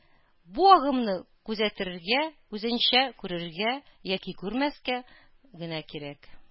Бу агымны күзәтергә, үзеңчә күрергә, яки күрмәскә генә кирәк